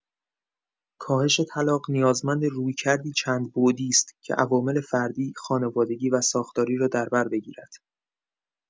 کاهش طلاق نیازمند رویکردی چندبعدی است که عوامل فردی، خانوادگی و ساختاری را در بر بگیرد.